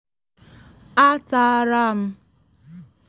Atara m!'